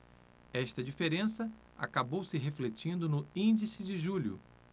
esta diferença acabou se refletindo no índice de julho